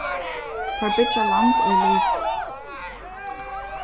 teir byggja land ið liva